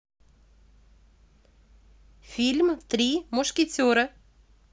фильм три мушкетера